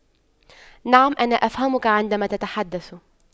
نعم انا أفهمك عندما تتحدث